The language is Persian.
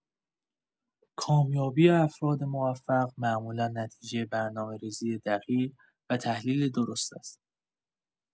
کامیابی افراد موفق معمولا نتیجه برنامه‌ریزی دقیق و تحلیل درست است.